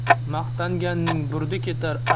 maqtanganning burdi ketar